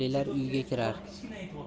hayolilar uyga kirar